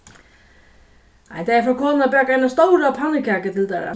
ein dagin fór konan at baka eina stóra pannukaku til teirra